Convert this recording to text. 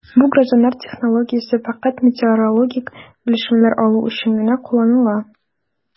Бу гражданнар технологиясе фәкать метеорологик белешмәләр алу өчен генә кулланыла...